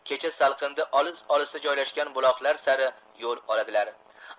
kecha salqinda olis olislarda joylashgan buloqlar sari yo'l oladilar